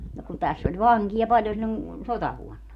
no kun tässä oli vankeja paljon silloin sotavuonna